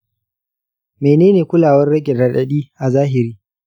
menene kulawar rage raɗaɗi a zahiri?